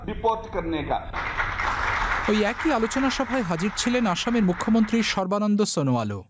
deport কারনে কা ওই একই আলোচনা সভায় হাজির ছিলেন আসামের মুখ্যমন্ত্রী ছেলে না সর্বানন্দ সোনোয়াল ও